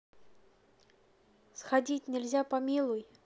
сходить нельзя помилуй